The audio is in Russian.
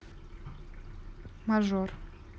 мажор